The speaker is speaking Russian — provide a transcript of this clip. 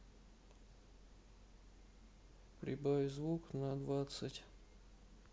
прибавь звук на двадцать